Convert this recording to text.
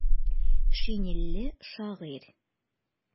Шинельле шагыйрь.